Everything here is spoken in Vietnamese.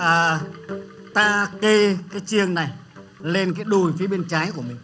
ờ ta kê cái chiêng này lên cái đùi phía bên trái của mình